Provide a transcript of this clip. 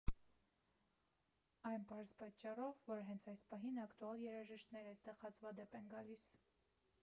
Այն պարզ պատճառով, որ հենց այս պահին ակտուալ երաժիշտներ այստեղ հազվադեպ են գալիս։